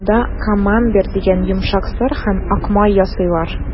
Монда «Камамбер» дигән йомшак сыр һәм ак май ясыйлар.